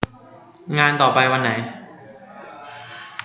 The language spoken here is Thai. งานต่อไปวันไหน